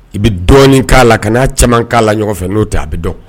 I bɛ dɔɔnin k'a la ka n'a caman k'a la ɲɔgɔnfɛ n'o tɛ a bɛ dɔn